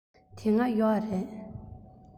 དེ སྔ ཡོད རེད